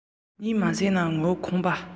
ལྕགས ཐབ འོག ཏུ ཉལ ཡང ཤིན ཏུ འཁྱགས